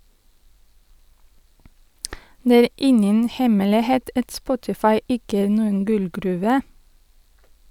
- Det er ingen hemmelighet at Spotify ikke er noen gullgruve.